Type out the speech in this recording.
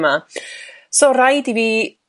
'ma so raid i fi